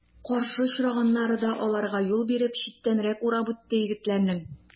Каршы очраганнары да аларга юл биреп, читтән урап үтте егетләрнең.